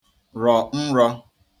rọ̀ nrọ̄